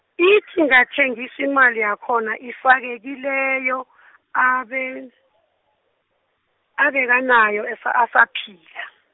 ithi ingathengiswa imali yakhona ifakwe kileyo , abe- abekanayo esa- asaphila.